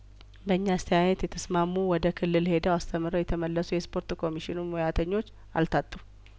በእኛ አስተያየት የተስማሙ ወደ ክልል ሄደው አስተምረው የተመለሱ የስፖርት ኮሚሽኑ ሙያተኞች አልታጡም